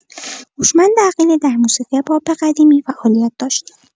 هوشمند عقیلی در موسیقی پاپ قدیمی فعالیت داشت.